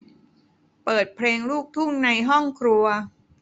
เปิดเพลงลูกทุ่งในห้องครัว